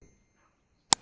སྐབས དེར ཁྱོད ཉིད